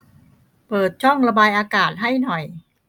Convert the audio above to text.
เปิดช่องระบายอากาศให้หน่อย